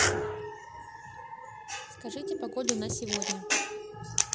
скажите погоду на сегодня